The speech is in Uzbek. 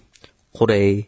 qur ey